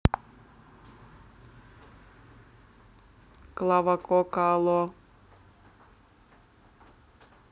клава кока алло